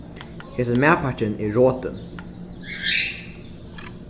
hesin matpakkin er rotin